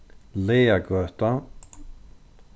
laðagøta